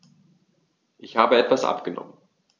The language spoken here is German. Ich habe etwas abgenommen.